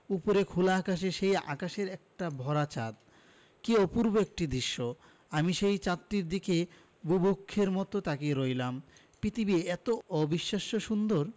ওপরে খোলা আকাশ সেই আকাশে একটা ভরা চাঁদ কী অপূর্ব একটি দৃশ্য আমি সেই চাঁদটির দিকে বুভুক্ষের মতো তাকিয়ে রইলাম পৃথিবী এতো অবিশ্বাস্য সুন্দর